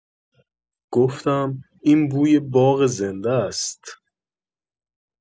گفتم: «این بوی باغ زنده‌ست.»